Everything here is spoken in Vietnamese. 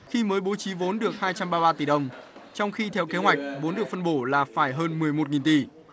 khi mới bố trí vốn được hai trăm ba ba tỷ đồng trong khi theo kế hoạch vốn được phân bổ là phải hơn mười một nghìn tỷ